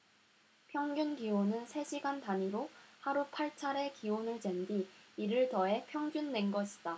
평균기온은 세 시간 단위로 하루 팔 차례 기온을 잰 뒤 이를 더해 평균 낸 것이다